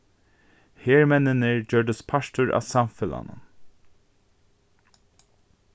hermenninir gjørdust partur av samfelagnum